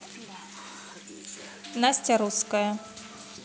настя русская